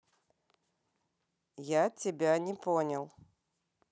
я тебя не понял